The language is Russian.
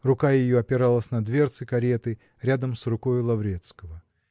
Рука ее опиралась на дверцы кареты рядом с рукою Лаврецкого.